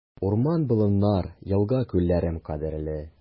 Урман-болыннар, елга-күлләрем кадерле.